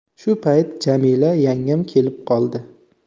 shu payt jamila yangam kelib qoldi